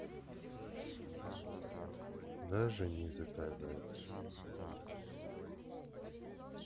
даже не заказать